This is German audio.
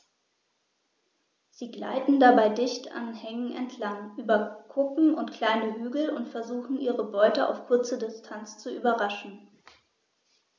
Sie gleiten dabei dicht an Hängen entlang, über Kuppen und kleine Hügel und versuchen ihre Beute auf kurze Distanz zu überraschen.